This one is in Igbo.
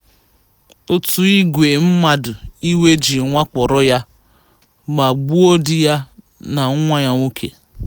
Otu ìgwè mmadụ iwe ji wakporo ya ma gbuo di ya na nwa ya nwoke.